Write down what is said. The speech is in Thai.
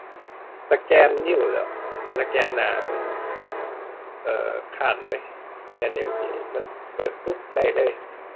สแกนนิ้วแหล้ว สแกนหน้ามัน เอ่อ คร้านเว้ย สแกนนิ้วนี่มันเปิดปุ๊บได้เลย